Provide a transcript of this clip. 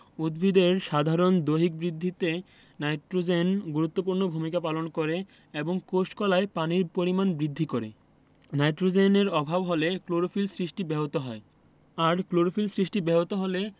উদ্ভিদের সাধারণ দৈহিক বৃদ্ধিতে নাইট্রোজেন গুরুত্বপূর্ণ ভূমিকা পালন করে এবং কোষ কলায় পানির পরিমাণ বৃদ্ধি করে নাইট্রোজেনের অভাব হলে ক্লোরোফিল সৃষ্টি ব্যাহত হয় আর ক্লোরোফিল সৃষ্টি ব্যাহত হলে